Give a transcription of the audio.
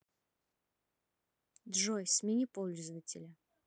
джой смени пользователя